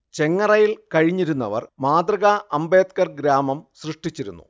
ചെങ്ങറയിൽ കഴിഞ്ഞിരുന്നവർ മാതൃകാ അംബേദ്കർ ഗ്രാമം സൃഷ്ടിച്ചിരുന്നു